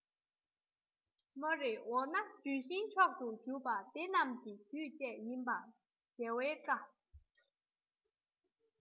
མོ རེ འོ ན ལྗོན ཤིང མཆོག ཏུ འགྱུར པ དེ རྣམས ཀྱི རྒྱུད བཅས ཡིན པ རྒྱལ བའི བཀའ